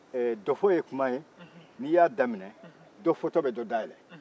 dofo ye kuma ye n'i y'a daminɛ dɔ fɔ to bɛ dɔ da yɛlɛn